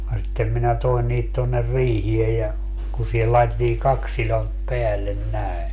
ja sitten minä toin niitä tuonne riiheen ja kun siihen laitettiin kaksi sidonta päälle näin